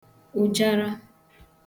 ụ̀jara